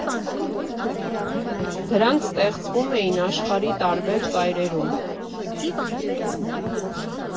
Դրանք ստեղծվում էին աշխարհի տարբեր ծայրերում։